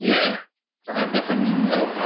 Ie, dyna beth o'n i'n meddwl.